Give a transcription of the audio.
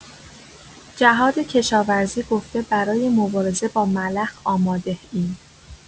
جهادکشاورزی گفته برای مبارزه با ملخ آماده‌ایم.